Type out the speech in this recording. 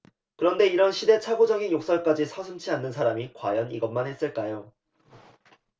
그런데 이런 시대착오적인 욕설까지 서슴지 않는 사람이 과연 이것만 했을까요